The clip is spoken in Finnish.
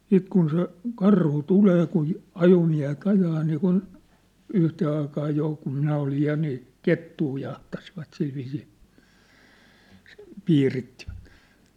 sitten kun se karhu tulee kun ajomiehet ajaa niin kuin yhteen aikaan jo kun minä olin ja niin kettua jahtasivat sillä viisiin piirittivät